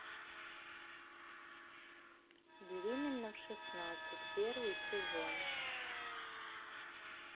беременна в шестнадцать первый сезон